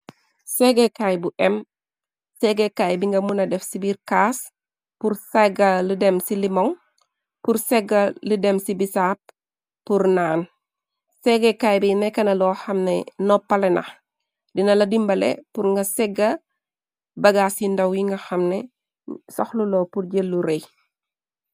Seggekaay bu m seggekaay bi nga mëna def ci biir caas pur segga lu dem ci limoŋ pur fegal lu dem ci bisaab pur naan seggekaay bi nekkna loo xamne noppale nax dina la dimbale pur nga segga bagaas yi ndaw yi nga xamne soxluloo pur jëllu rëy.